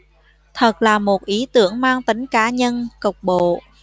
thật là một ý tưởng mang tính cá nhân cục bộ